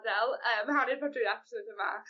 ...gadel yym hanner ffordd drwy'r episod yma